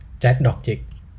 แจ็คดอกจิก